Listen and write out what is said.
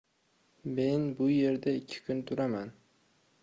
men bu yerda ikki kun turaman